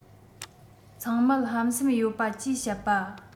ཚང མལ ཧམ སེམས ཡོད པ ཅེས བཤད པ